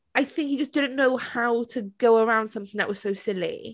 I think he just didn't know how to go around something that was so silly.